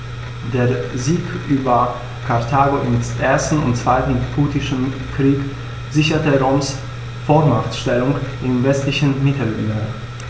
Der Sieg über Karthago im 1. und 2. Punischen Krieg sicherte Roms Vormachtstellung im westlichen Mittelmeer.